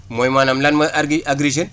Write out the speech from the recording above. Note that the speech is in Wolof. mooy maanaam lan mooy agri agri Jeunes